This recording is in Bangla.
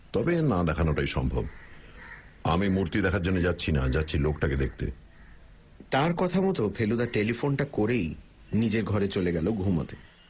আমাদের দেখাবেন না ফেলুদা বলল যদি তোর মতো বোকা হয় তা হলে দেখাতেও পারে